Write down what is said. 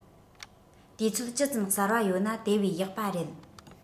དུས ཚོད ཇི ཙམ གསར བ ཡོད ན དེ བས ཡག པ རེད